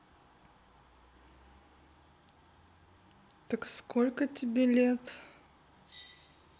так сколько тебе лет